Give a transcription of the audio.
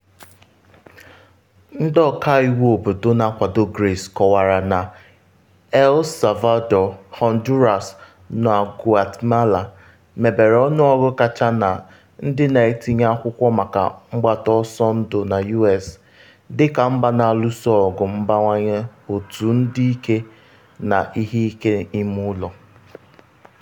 Ndị ọka iwu obodo nke na-akwado Grace kọwara na El Salvador, Honduras na Guatemala, mebere ọnụọgụ kacha na ndị na-etinye akwụkwọ maka mgbata ọsọ ndụ na U.S, dịka mba na-alụso ọgụ mbawanye otu ndị ike na ihe ike ime ụlọ.